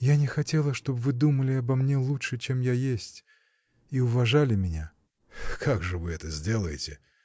— Я не хотела, чтоб вы думали обо мне лучше, чем я есть. и уважали меня. — Как же вы это сделаете?